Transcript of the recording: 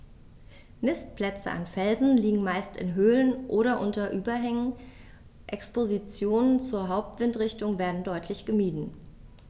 Nistplätze an Felsen liegen meist in Höhlungen oder unter Überhängen, Expositionen zur Hauptwindrichtung werden deutlich gemieden.